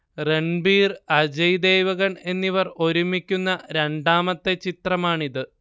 രൺബീർ അജയ് ദേവ്ഗൺ എന്നിവർ ഒരുമിക്കുന്ന രണ്ടാമത്തെ ചിത്രമാണിത്